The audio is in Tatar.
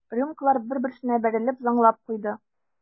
Рюмкалар бер-берсенә бәрелеп зыңлап куйды.